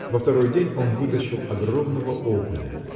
Во второй день он вытащил огромного окуня.